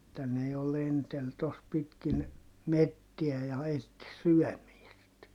että ne jo lenteli tuossa pitkin metsiä ja etsi syömistä